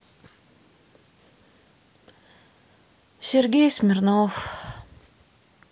сергей смирнов